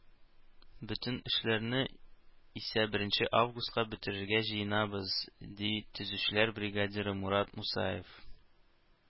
Бөтен эшләрне исә беренче августка бетерергә җыенабыз, - ди төзүчеләр бригадиры Мурат Мусаев.